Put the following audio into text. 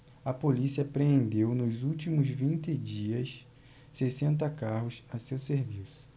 a polícia apreendeu nos últimos vinte dias sessenta carros a seu serviço